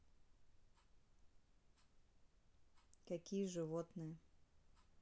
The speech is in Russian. какие животные